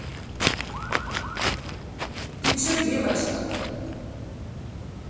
ты че девочка